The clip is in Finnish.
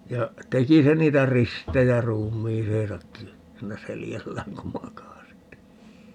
ja teki se niitä ristejä ruumiiseensakin siinä selällään kun makasi